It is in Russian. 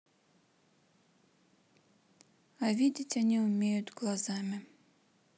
а видеть они умеют глазами